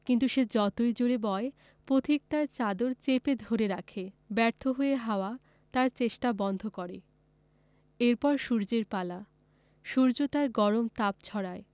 কিন্তু সে যতই জোড়ে বয় পথিক তার চাদর চেপে ধরে রাখে ব্যর্থ হয়ে হাওয়া তার চেষ্টা বন্ধ করে এর পর সূর্যের পালা সূর্য তার গরম তাপ ছড়ায়